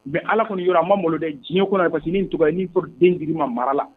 Mɛ ala kɔni yɔrɔ a ma malo diɲɛ kɔnɔ i tun i'i fɔra den di ma mara la